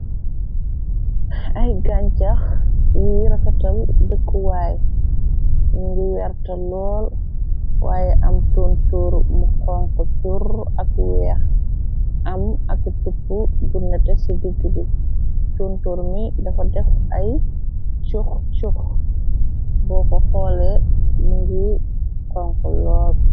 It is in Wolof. Ay gancax yiy rafetal dëkkuwaay mi ngi werta lool waaye am tuntur mu konko tur ak weex am ak tupp bunate ci digg bi tuntur mi dafa def ay cuxcux bo ko xoole mi ngiy konku lool.